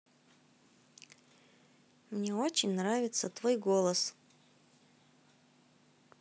мне очень нравится твой голос